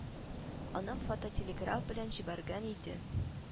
Аны фототелеграф белән җибәргән иде